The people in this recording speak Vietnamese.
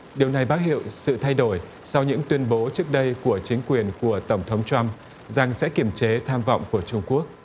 điều này báo hiệu sự thay đổi sau những tuyên bố trước đây của chính quyền của tổng thống trăm rằng sẽ kiềm chế tham vọng của trung quốc